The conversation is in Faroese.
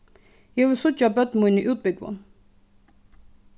eg vil síggja børn míni útbúgvin